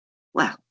Wel.